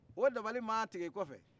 o dabali mana tigɛ i kɔfɛ